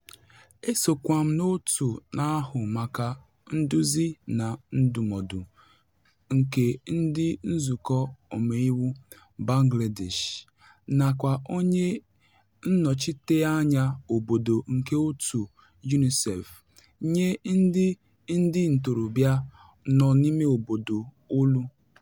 Esokwa m n'otu na-ahụ maka nduzi na ndụmọdụ nke ndị Nzukọ Omeiwu Bangladesh, nakwa onye Nnọchite anya Obodo nke otu UNICEF nye ndị ndị Ntorobịa nọ n'Ime Obodo olu.